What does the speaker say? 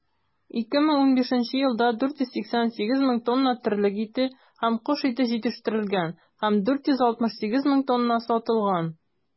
2015 елда 488 мең тонна терлек ите һәм кош ите җитештерелгән һәм 468 мең тонна сатылган.